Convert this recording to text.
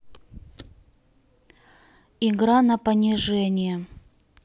игра на понижение